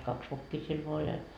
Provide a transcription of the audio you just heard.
kaksi vokkia siellä vain oli ja